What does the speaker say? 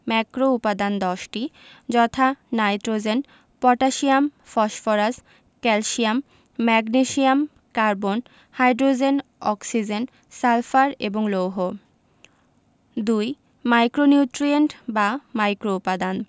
ম্যাক্রোউপাদান ১০ টি যথা nitrogen potassium phosphorus calcium magnesium carbon hydrogen oxygen sulphur এবং লৌহ ২ মাইক্রোনিউট্রিয়েন্ট বা মাইক্রোউপাদান